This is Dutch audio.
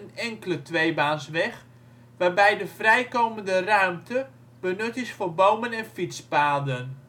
tweebaansweg, waarbij de vrijkomende ruimte benut is voor bomen en fietspaden